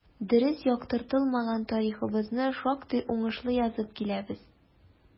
Дөрес яктыртылмаган тарихыбызны шактый уңышлы язып киләбез.